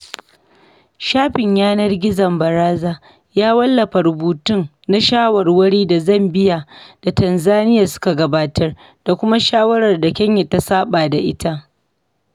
Shafin yanar gizon Baraza ya wallafa rubutun na shawarwarin da Zambia da Tanzania suka gabatar da kuma shawarar da Kenya ta saɓa da ita.